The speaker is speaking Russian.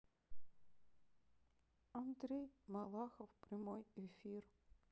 андрей малахов прямой эфир